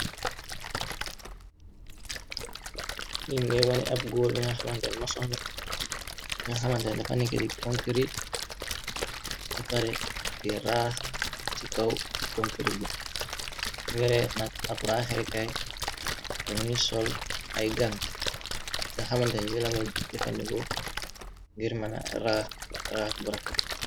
Ni ngay wani ab góol bi nga xamandeen masonla min xamanden dafa nika di konkrit xepare di raax ci kaw konkrit bi mu yere nag ab raaxeekaay tem ngi sol ay gan yinga xamanden yuylamu jëfandeko ngir mëna raax raax bu rafe.